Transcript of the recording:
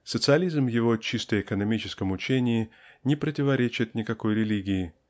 Социализм в его чисто-экономическом учении не противоречит никакой религии